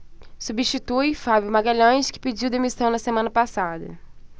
substitui fábio magalhães que pediu demissão na semana passada